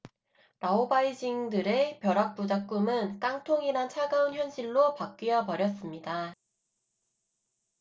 라오바이싱들의 벼락 부자 꿈은 깡통이란 차가운 현실로 바뀌어 버렸습니다